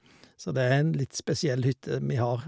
Så det er en litt spesiell hytte vi har.